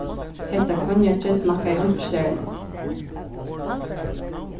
hetta konjakið smakkaði einki serligt